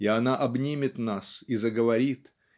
и она обнимет нас и заговорит